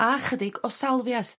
a chydig o salvias